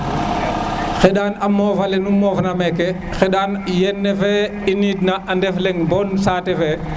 xeɗan a mofa le nu moof na meke xeɗan yene fe i din na bon saate fe